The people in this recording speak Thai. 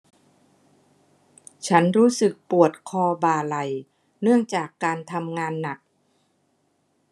ฉันรู้สึกปวดคอบ่าไหล่เนื่องจากการทำงานหนัก